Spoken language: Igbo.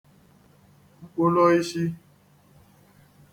mkpụloishi